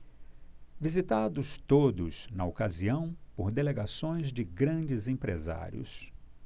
visitados todos na ocasião por delegações de grandes empresários